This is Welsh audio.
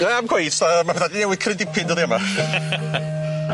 Na 'im cweit da ma' ma' 'di newid cryn dipyn dyddia' 'ma.